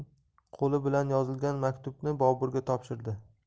qo'li bilan yozilgan maktubni boburga topshirdi